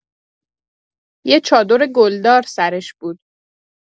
یه چادر گل‌دار سرش بود.